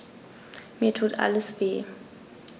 Mir tut alles weh.